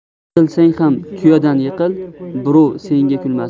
yiqilsang ham tuyadan yiqil birov senga kulmasin